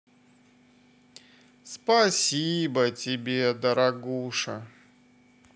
спасибо тебе дорогуша